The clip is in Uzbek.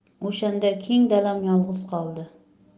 o'shanda keng dalam yolg'iz qoldi